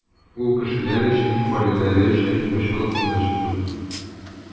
Ул кешеләр өчен, гаиләләре өчен борчылып монда чыктым.